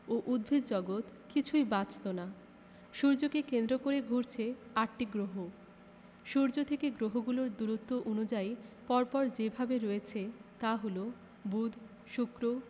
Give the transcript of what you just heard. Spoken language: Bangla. ও উদ্ভিদজগৎ কিছুই বাঁচত না সূর্যকে কেন্দ্র করে ঘুরছে আটটি গ্রহ সূর্য থেকে গ্রহগুলো দূরত্ব অনুযায়ী পর পর যেভাবে রয়েছে তা হলো বুধ শুক্র